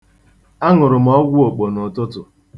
Aṅụrụ m ọgwụ okpo n'ụtụtụ.